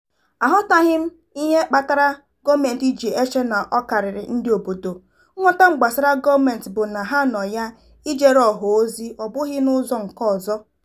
Aghọtabeghị m ihe kpatara gọọmentị ji eche na ọ karịrị ndị obodo, nghọta m gbasara gọọmentị bụ na ha nọ ya ị jere ọha ozi, ọ bụghị n'ụzọ nke ọzọ.